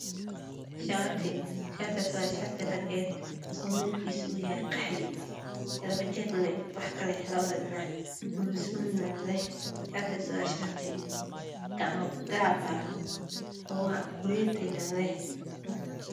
Shaati shaatigaaso shaati ragged ah midibkiisuna yahay gamma gaab ah